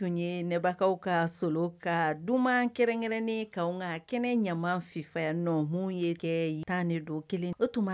Tun ye nebagaw ka so ka dumuni kɛrɛnkɛrɛnnen ka ka kɛnɛ ɲama ffa ye nɔ minnu ye kɛ tan de don kelen o tuma